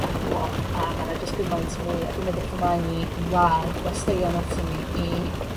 dablo a ma' 'na jyst gymaint mwy a dwi'n edrych ymlaen i i wadd gwesteion aton ni i